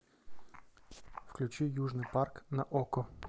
включи южный парк на окко